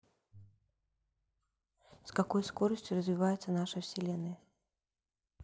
с какой скоростью развивается наша вселенная